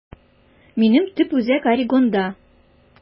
Минем төп үзәк Орегонда.